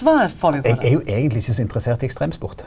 eg er jo eigentleg ikkje så interessert i ekstremsport.